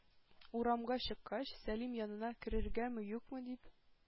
Урамга чыккач, Сәлим янына керергәме-юкмы дип,